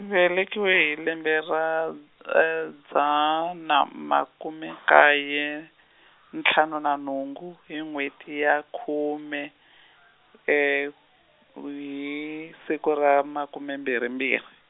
velekiwe hi lembe ra, dzana makume nkaye, ntlhanu na nhungu hi n'wheti ya khume , hi siku ra makume mbirhi mbirhi.